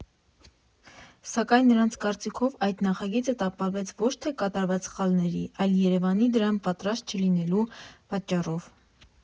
Սակայն նրանց կարծիքով այդ նախագիծը տապալվեց ոչ թե կատարած սխալների, այլ Երևանի՝ դրան պատրաստ չլինելու պատճառով։